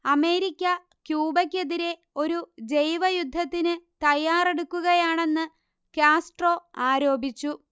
America ക്യൂബക്കെതിരേ ഒരു ജൈവയുദ്ധത്തിനു തയ്യാറെടുക്കുകയാണെന്ന് കാസ്ട്രോ ആരോപിച്ചു